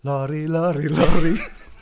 Lori, lori, lori !